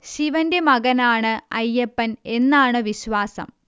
ശിവന്റെ മകൻ ആണ് അയ്യപ്പൻ എന്നാണ് വിശ്വാസം